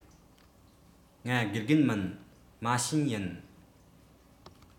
ང དགེ རྒན མིན མ བྱན ཡིན